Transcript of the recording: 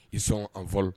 I sɔn an fɔlɔ